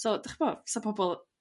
So 'dych ch'bo' 'sa pobl